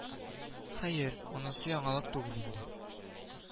Хәер, монысы яңалык түгел инде